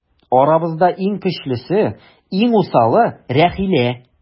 Арабызда иң көчлесе, иң усалы - Рәхилә.